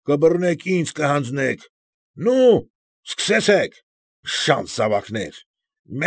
Կբռնեք և ինձ կհանձնեք։ Նո՛ւ, սկսեցեք, շան զավակներ։